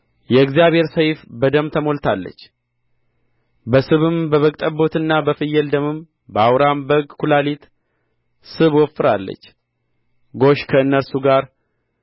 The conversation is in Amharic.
የእግዚአብሔር ሰይፍ በደም ተሞልታለች በስብም በበግ ጠቦትና በፍየል ደምም በአውራም በግ ኵላሊት ስብ ወፍራለች ጎሽ ከእነርሱ ጋር